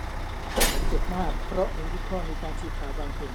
ฉันเจ็บมากเพราะเอ็นยึดข้อมีการฉีกขาดบางส่วน